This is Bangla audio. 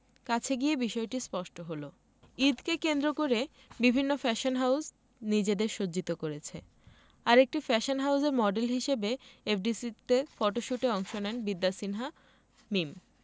কাছে গিয়ে বিষয়টি স্পষ্ট হলো ঈদকে কেন্দ্র করে বিভিন্ন ফ্যাশন হাউজ নিজেদের সজ্জিত করছে আর একটি ফ্যাশন হাউজের মডেল হিসেবে এফডিসিতে ফটোশ্যুটে অংশ নেন বিদ্যা সিনহা মীম